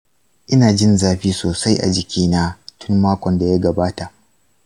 ina jin zafi sosai a jikina tun makon da ya gabata.